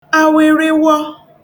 awịrịwọ